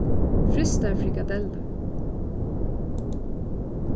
frystar frikadellur